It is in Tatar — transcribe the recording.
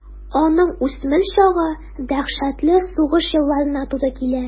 Аның үсмер чагы дәһшәтле сугыш елларына туры килә.